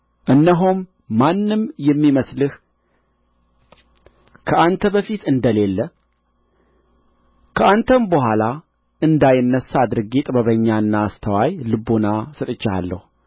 እነሆ ማንም የሚመስልህ ከአንተ በፊት እንደሌለ ከአንተም በኋላ እንዳይነሣ አድርጌ ጥበበኛና አስተዋይ ልቡና ሰጥቼሃለሁ